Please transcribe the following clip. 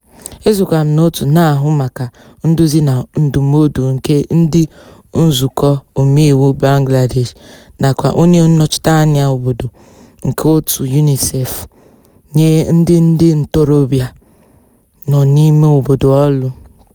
Esokwa m n'otu na-ahụ maka nduzi na ndụmọdụ nke ndị Nzukọ Omeiwu Bangladesh, nakwa onye Nnọchite anya Obodo nke otu UNICEF nye ndị ndị Ntorobịa nọ n'Ime Obodo olu.